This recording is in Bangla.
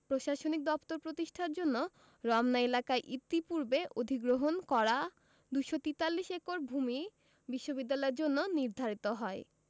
প্রশাসনিক দপ্তর প্রতিষ্ঠার জন্য রমনা এলাকায় ইতিপূর্বে অধিগ্রহণ করা ২৪৩ একর ভূমি বিশ্ববিদ্যালয়ের জন্য নির্ধারিত হয়